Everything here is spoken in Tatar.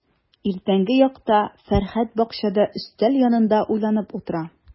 Иртәнге якта Фәрхәт бакчада өстәл янында уйланып утыра.